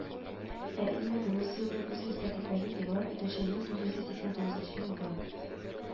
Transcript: Ә инде Грузиянең үз мөстәкыйльлеген игълан итүче мең тугыз йөз сиксән тугызынчы елгы